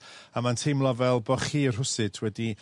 a ma'n teimlo fel bo' chi rhwsut wedi